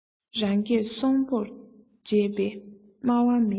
རང སྐད སྲོང པོར བརྗོད པའི སྨྲ བ མེད